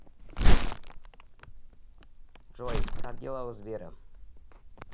джой как дела у сбера